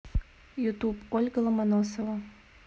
ютуб ольга ломоносова